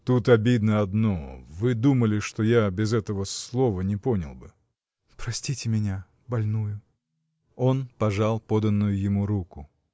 — Тут обидно одно: вы думали, что я без этого слова не понял бы. — Простите меня, больную. Он пожал поданную ему руку.